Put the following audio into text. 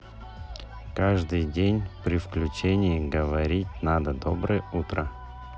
каждый день при включении говорить надо доброе утро